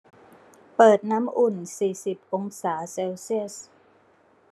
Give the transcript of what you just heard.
เปิดน้ำอุ่นสี่สิบองศาเซลเซียส